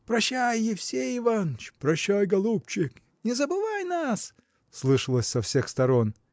– Прощай, Евсей Иваныч, прощай, голубчик, не забывай нас! – слышалось со всех сторон.